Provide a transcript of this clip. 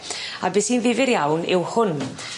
A be' sy'n ddifyr iawn yw hwn.